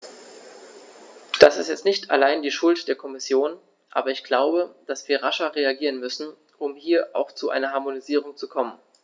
Das ist jetzt nicht allein die Schuld der Kommission, aber ich glaube, dass wir rascher reagieren müssen, um hier auch zu einer Harmonisierung zu kommen.